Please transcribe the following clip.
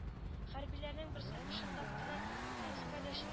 Хәрбиләрнең берсе пышылдап кына хариска дәште